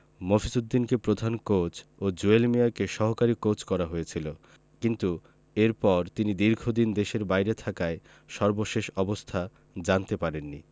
মফিজ উদ্দিনকে প্রধান কোচ ও জুয়েল মিয়াকে সহকারী কোচ করা হয়েছিল কিন্তু এরপর তিনি দীর্ঘদিন দেশের বাইরে থাকায় সর্বশেষ অবস্থা জানতে পারেননি